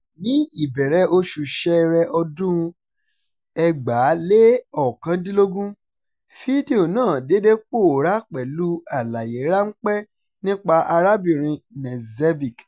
Ní ìbẹ̀rẹ̀ oṣù Ṣẹẹrẹ ọdún 2019, fídíò náà dédé pòórá pẹ̀lú àlàyé ránńpẹ́ nípa arábìnrin Knežević.